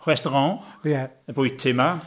Y restaurant, y bwyty 'ma.